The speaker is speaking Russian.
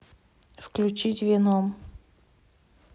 включить веном